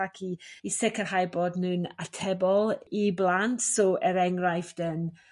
ac i i sicrhau bod n'w'n atebol i blant so er enghraifft eem